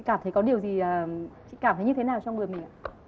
cảm thấy có điều gì ờm chị cảm thấy như thế nào trong người mình ạ